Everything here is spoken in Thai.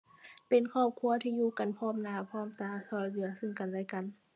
เป็นครอบครัวที่อยู่กันพร้อมหน้าพร้อมตาช่วยเหลือซึ่งกันและกัน